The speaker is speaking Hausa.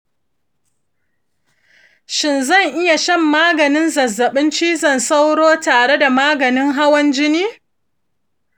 shin zan iya shan maganin zazzabin cizon sauro tare da maganin hawan jini?